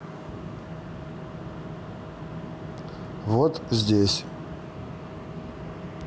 вот здесь